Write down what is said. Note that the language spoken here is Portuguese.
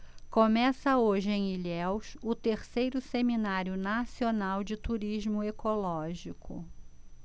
começa hoje em ilhéus o terceiro seminário nacional de turismo ecológico